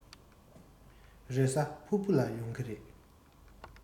རེས གཟའ ཕུར བུ ལ ཡོང གི རེད